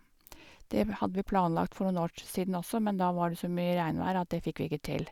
Det hadde vi planlagt for noen år siden også, men da var det så mye regnvær at det fikk vi ikke til.